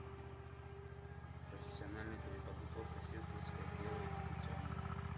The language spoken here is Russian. профессиональная переподготовка сестринское дело дистанционно